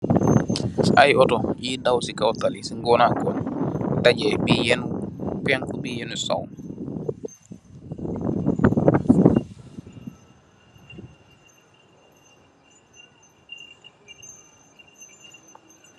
Ay Otto yui daw ci kaw tali ci ngon'nangon, dajjeh bi henu penku bi henu sow.